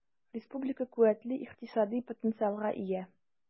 Республика куәтле икътисади потенциалга ия.